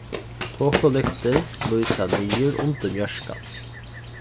tokulyktir lýsa niður undir mjørkan